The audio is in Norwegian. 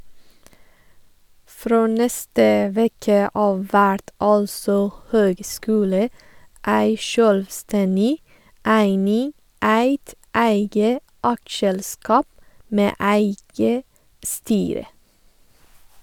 Frå neste veke av vert altså høgskulen ei sjølvstendig eining, eit eige aksjeselskap med eige styre.